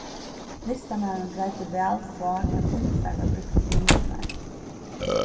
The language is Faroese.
listamaðurin greiddi væl frá hvat tilfar var brúkt til myndirnar